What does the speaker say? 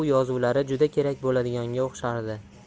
bu yozuvlari juda kerak bo'ladiganga o'xshardi